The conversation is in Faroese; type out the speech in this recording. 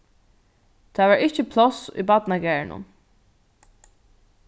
tað var ikki pláss í barnagarðinum